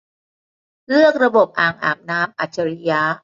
เลือกระบบอ่างอาบน้ำอัจฉริยะ